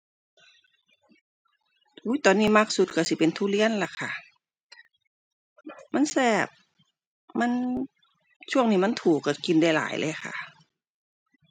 อุ๊ย ตอนนี้มักสุดก็สิเป็นทุเรียนล่ะค่ะ มันแซ่บ มัน ช่วงนี้มันถูกก็กินได้หลายเลยค่ะ